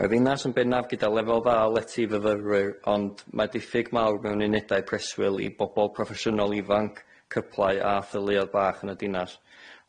Ma'r ddinas yn bennaf gyda lefel dda letu i fyfyrwyr ond mae diffyg mawr mewn unedau preswyl i bobol proffesiynol ifanc, cyplau a theuluodd bach yn y dinas.